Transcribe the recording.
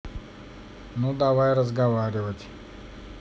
ну давай разговаривать